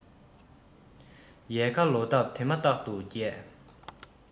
ཡལ ག ལོ འདབ དེ མ ཐག ཏུ རྒྱས